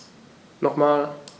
Nochmal.